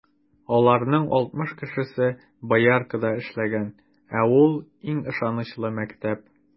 Аларның алтмыш кешесе Бояркада эшләгән, ә ул - иң ышанычлы мәктәп.